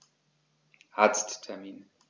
Arzttermin